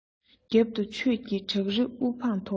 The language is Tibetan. རྒྱབ ཏུ ཆོས ཀྱི བྲག རི དབུ འཕང མཐོ